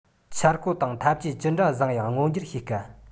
འཆར འགོད དང ཐབས ཇུས ཅི འདྲ བཟང ཡང མངོན འགྱུར བྱེད དཀའ